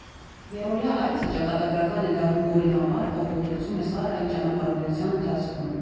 Եռօրյա այցը ճակատագրական է դառնում Գոռի համար, ով ուղեկցում է Սառային ճանապարհորդության ընթացքում.